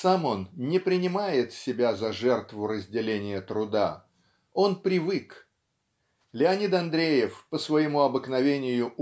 сам он не принимает себя за жертву разделения труда, - он привык. Леонид Андреев по своему обыкновению